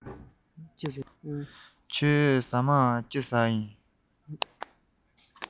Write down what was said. ཁྱེད རང ཞལ ལག བཟའ རྒྱུ ཡིན པས